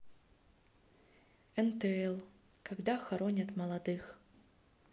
ntl когда хоронят молодых